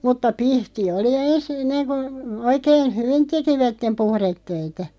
mutta pihti oli ensin ennen kun oikein hyvin tekivät puhdetöitä